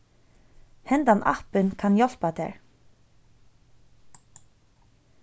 hendan appin kann hjálpa tær